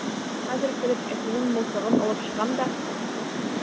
Хәзер кереп әтинең мылтыгын алып чыгам да...